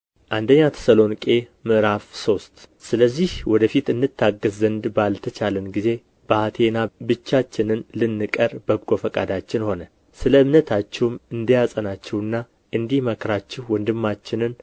አንደኛ ተሰሎንቄ ምዕራፍ ሶስት ስለዚህ ወደ ፊት እንታገሥ ዘንድ ባልተቻለን ጊዜ በአቴና ብቻችንን ልንቀር በጎ ፈቃዳችን ሆነ ስለ እምነታችሁም እንዲያጸናችሁና እንዲመክራችሁ ወንድማችንን